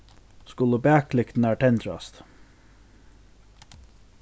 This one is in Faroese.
skulu baklyktirnar tendrast